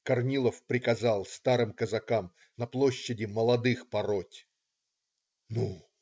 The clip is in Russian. Корнилов приказал старым казакам на площади молодых пороть?" - "Ну?